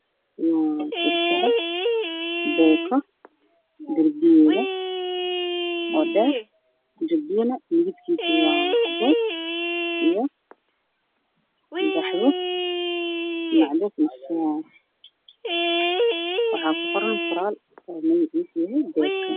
Waa shirkada beeko darbigeeda oo dheer midabkiisu waa cadeys iyo qaxwi. Waxaa kuqoran qoraal oo ah beeco.